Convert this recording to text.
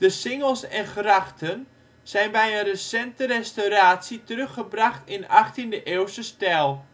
singels en grachten zijn bij een recente restauratie teruggebracht in 18e eeuwse stijl